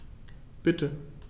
Bitte.